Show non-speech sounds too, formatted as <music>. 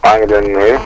maa ngi leen nuyu <noise>